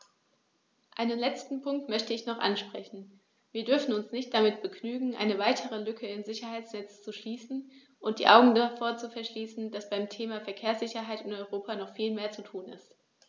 Einen letzten Punkt möchte ich noch ansprechen: Wir dürfen uns nicht damit begnügen, eine weitere Lücke im Sicherheitsnetz zu schließen und die Augen davor zu verschließen, dass beim Thema Verkehrssicherheit in Europa noch viel mehr zu tun ist.